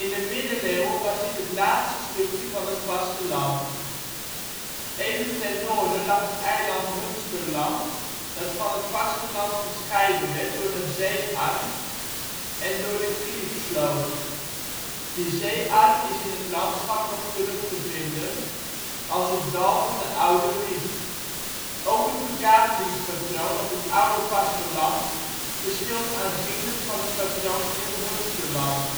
de middeleeuwen was dit het laatste stukje van het vasteland. Even ten noorden lag het eiland Humsterland dat van het vasteland gescheiden werd door een zeearm en door de Kliefsloot. Die zeearm is in het landschap nog terug te vinden als het dal van de Oude Riet. Ook het verkavelingspatroon op het oude vaste land verschilt aanzienlijk van het patroon in het Humsterland